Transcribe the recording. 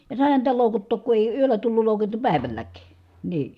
ja saihan niitä loukuttaa kun ei yöllä tullut loukutettua päivälläkin niin